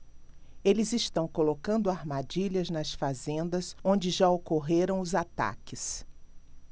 eles estão colocando armadilhas nas fazendas onde já ocorreram os ataques